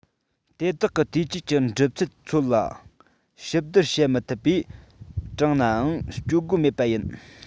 དེ དག གི བལྟོས བཅས ཀྱི འགྲུབ ཐུབ ཚོད ལ བསྡུར ཞིབ བྱེད མི ཐུབ པས དྲངས ནའང སྤྱོད སྒོ མེད པ ཡིན